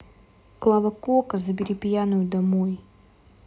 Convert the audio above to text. клава кока забери пьяную домой